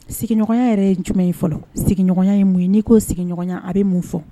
Sigiɲɔgɔnya yɛrɛ jumɛn ye fɔlɔ sigiɲɔgɔnya ye mun ye n'i ko sigiɲɔgɔnya a bɛ mun fɔ